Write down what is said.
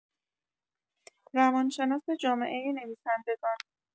روانشناس جامعۀ نویسندگان